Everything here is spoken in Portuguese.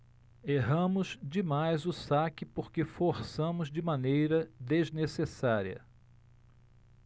erramos demais o saque porque forçamos de maneira desnecessária